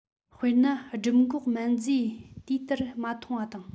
དཔེར ན སྦྲུམ འགོག སྨན རྫས དུས ལྟར མ འཐུང བ དང